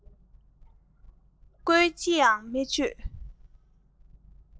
བཀོལ ཅི ཡང མི ཆོད